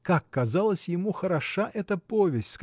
Как казалась ему хороша эта повесть!